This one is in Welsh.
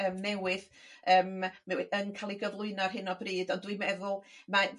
yym newydd yym newy- yn ca'l ei gyflwyno ar hyn o bryd ond dwi meddwl mae